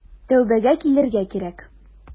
Тәүбәгә килергә кирәк.